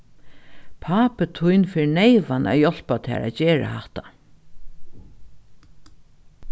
pápi tín fer neyvan at hjálpa tær at gera hatta